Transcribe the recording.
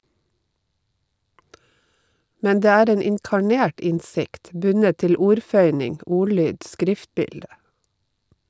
Men det er en inkarnert innsikt, bundet til ordføyning, ordlyd, skriftbilde.